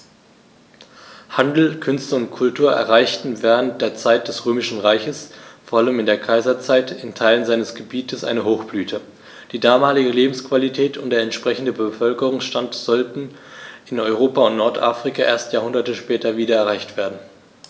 Handel, Künste und Kultur erreichten während der Zeit des Römischen Reiches, vor allem in der Kaiserzeit, in Teilen seines Gebietes eine Hochblüte, die damalige Lebensqualität und der entsprechende Bevölkerungsstand sollten in Europa und Nordafrika erst Jahrhunderte später wieder erreicht werden.